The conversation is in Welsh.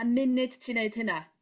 A munud ti'n neud hynna